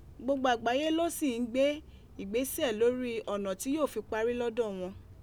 Gbogbo agbaye lo si ti n gbe igbesẹ lori ọna ti yoo fi pari lọdọ wọn.